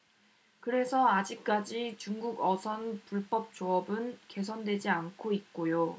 그래서 아직까지 중국어선 불법조업은 개선되지 않고 있고요